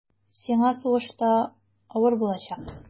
Сиңа сугышта авыр булачак.